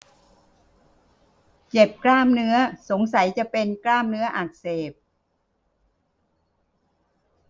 เจ็บกล้ามเนื้อสงสัยจะเป็นกล้ามเนื้ออักเสบ